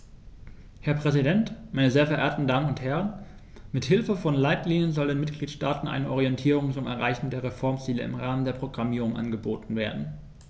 Herr Präsident, meine sehr verehrten Damen und Herren, mit Hilfe von Leitlinien soll den Mitgliedstaaten eine Orientierung zum Erreichen der Reformziele im Rahmen der Programmierung angeboten werden.